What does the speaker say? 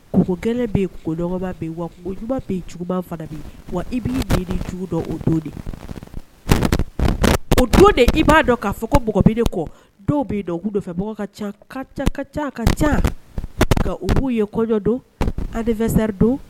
Kokɛ bɛ yen ko dɔgɔba bɛ yen wajuguba bɛ juguba bɛ wa i b'i jugu o do de o do de i b'a dɔn kaa fɔ ko b kɔ dɔw b'i ka ca ka ca ka ca ka ca nka u b'u ye kɔjɔ don an fɛsɛri don